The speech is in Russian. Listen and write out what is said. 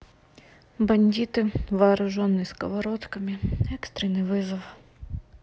бандиты вооруженные сковородками экстренный вызов